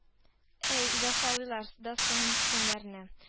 Әй, җәфалыйлар да соң мескеннәрне